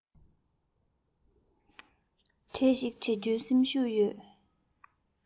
གྲས ཤིག བྱ རྒྱུའི སེམས ཤུགས ཡོད